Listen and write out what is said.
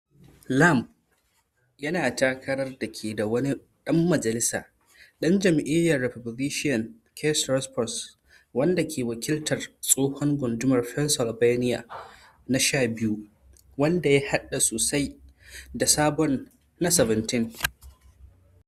Lamb yana takarar tare da wani Ɗan Majalisa, Ɗan jam’iyar Republican Keith Rothfus, wanda ke wakiltar tsohon Gundumar Pennsylvania na 12, wanda ya haɗda sosai da sabon na 17.